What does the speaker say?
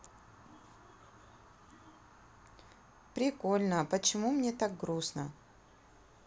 прикольно а почему мне так грустно